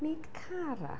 Nid Cara.